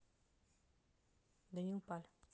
даниил паль